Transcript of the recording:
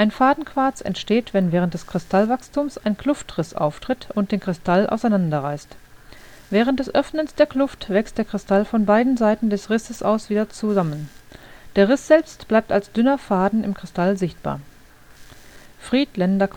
Fadenquarz entsteht, wenn während des Kristallwachstums ein Kluftriss auftritt und den Kristall auseinander reißt. Während des Öffnens der Kluft wächst der Kristall von beiden Seiten des Risses aus wieder zusammen. Der Riss selbst bleibt als dünner „ Faden “im Kristall sichtbar. Friedlaender Quarz